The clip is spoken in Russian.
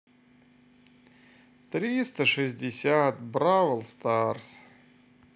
триста шестьдесят бравл старс